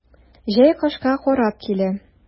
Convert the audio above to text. Җәй кышка карап килә.